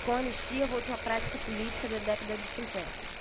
com a anistia voltou a prática política da década de cinquenta